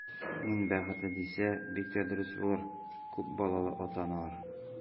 Мин бәхетле, дисә, бик тә дөрес булыр, күп балалы ата-аналар.